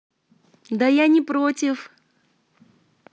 да я не против